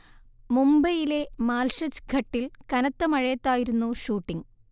മുംബൈയിലെ മാൽഷജ് ഘട്ടിൽ കനത്ത മഴത്തായിരുന്നു ഷൂട്ടിങ്ങ്